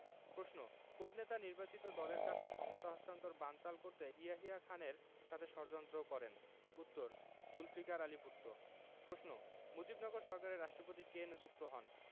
প্রশ্ন কোন নেতা নির্বাচিত দলের কাছে ক্ষমতা হস্তান্তর বানচাল করতে ইয়াহিয়া খানের সাথে ষড়যন্ত্র করেন উত্তরঃ জুলফিকার আলী ভুট্ট প্রশ্ন মুজিবনগর সরকারের রাষ্ট্রপতি কে নিযুক্ত হন